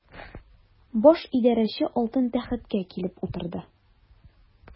Баш идарәче алтын тәхеткә килеп утырды.